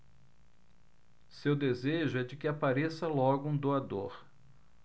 seu desejo é de que apareça logo um doador